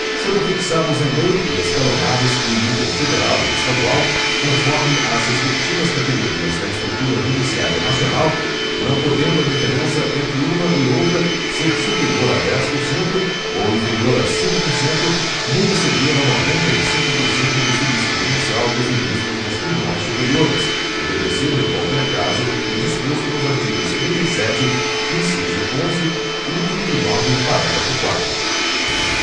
serão fixados em lei e escalonados em nível federal e estadual conforme as respectivas categorias da estrutura judiciária nacional não podendo a diferença entre uma e outra ser superior a dez por cento ou inferior a cinco por cento nem exceder a noventa e cinco por cento do subsídio mensal dos ministros dos tribunais superiores obedecido em qualquer caso o disposto nos artigos trinta e sete inciso onze e trinta e nove parágrafo quarto